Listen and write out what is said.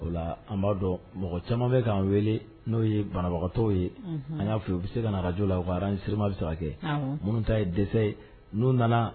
Caman n'o ye banabagawtɔ ye an y'a fɔ yen u bɛ se kajo la u warasirima bɛ saraka kɛ minnu ta ye dɛsɛ ye n'u nana